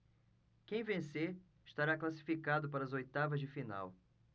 quem vencer estará classificado para as oitavas de final